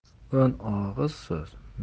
o'n og'iz so'z